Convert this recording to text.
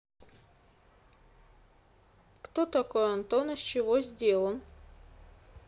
кто такой антон из чего сделан